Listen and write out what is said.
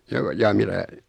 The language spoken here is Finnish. joo jaa mitä